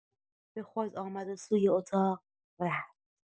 به خود آمد و سوی اطاق رفت.